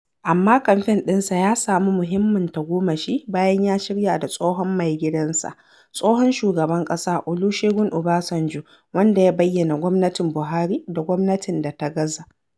Amma kamfen ɗinsa ya samu muhimmin tagomashi bayan ya shirya da tsohon mai gidansa, tsohon shugaban ƙasa Olusegun Obasanjo - wanda ya bayyana gwamnatin Buhari da gwamnatin da ta gaza.